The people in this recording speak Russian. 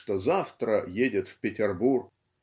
что завтра едет в Петербург.